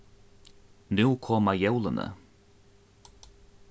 nú koma jólini